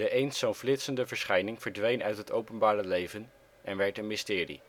eens zo flitsende verschijning verdween uit het openbare leven en werd een mysterie